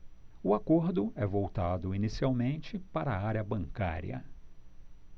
o acordo é voltado inicialmente para a área bancária